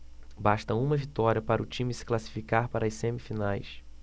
basta uma vitória para o time se classificar para as semifinais